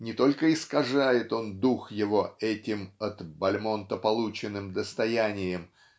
Не только искажает он дух его этим от Бальмонта полученным достоянием